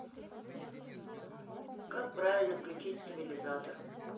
как правильно включать стабилизатор